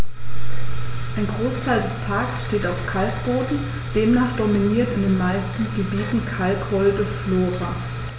Ein Großteil des Parks steht auf Kalkboden, demnach dominiert in den meisten Gebieten kalkholde Flora.